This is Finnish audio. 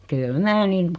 kyllä minä niin